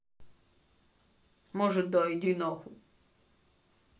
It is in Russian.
может да иди нахуй